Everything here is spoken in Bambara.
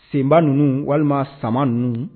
Senba ninnu walima sama ninnu